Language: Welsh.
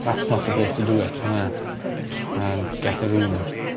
that's not the place to do it on' yfe? Yym get a room